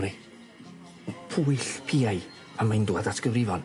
Yy pwyll piai pan mae'n dŵad at gyfrifon.